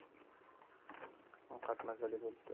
ovqat mazali bo'libdi